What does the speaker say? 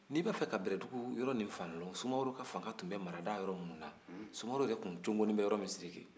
n'i b'a fɛ ka bɛlɛdugu yɔrɔ in fan lɔn sumaworo ka fanga tun bɛ marada yɔrɔ da minnu na sumaworo yɛrɛ tun cogolen bɛ yɔrɔ min sidiki